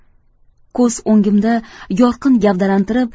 ko'z o'ngimda yorqin gavdalantirib